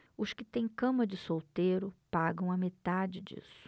os que têm cama de solteiro pagam a metade disso